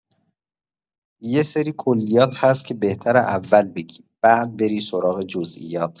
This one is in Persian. یه سری کلیات هست که بهتره اول بگی، بعد بری سراغ جزئیات.